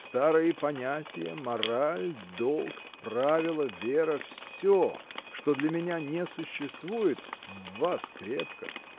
Старые понятия, мораль, долг, правила, вера — всё, что для меня не существует, в вас крепко.